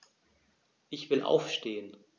Ich will aufstehen.